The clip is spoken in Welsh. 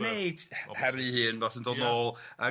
Wneud heri hŷn fel sy'n dod nôl